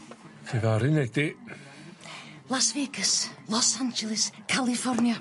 Difaru neu di. Las Vegas, Los Angeles, California.